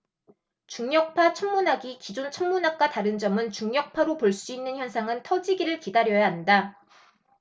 중력파 천문학이 기존 천문학과 다른 점은 중력파로 볼 수 있는 현상은 터지기를 기다려야 한다